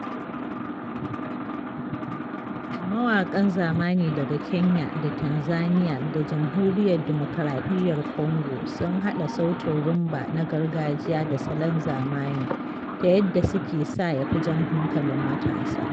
Mawaƙan zamani daga Kenya da Tanzania da Jamhuriyar Dimokuraɗiyyar Congo suna haɗa sautin Rhumba na gargajiya da salon zamani, ta yadda suke sa ya fi jan hankalin matasa.